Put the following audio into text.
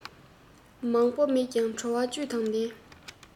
མང པོ མེད ཀྱང བྲོ བ བཅུད དང ལྡན